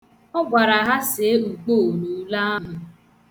Ọ gwara ha see ukpoo n' ule ahụ.